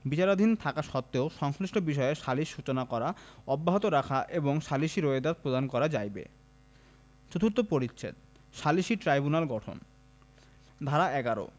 বিচারাধীন থাকা সত্ত্বেও সংশ্লিষ্ট বিষয়ে সালিস সূচনা করা অব্যাহত রাখা এবং সালিসী রোয়েদাদ প্রদান করা যাইবে চতুর্থ পরিচ্ছেদ সালিসী ট্রাইব্যুনাল গঠন ধারা ১১